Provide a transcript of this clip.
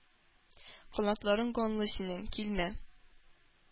Канатларың канлы синең, килмә!